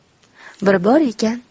bir bor ekan